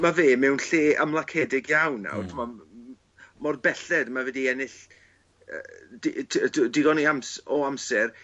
ma' fe mewn lle ymlaciedig iawn nawr. T'mod m- mor belled ma' fe 'di ennill yy de- digon 'i hams- o amser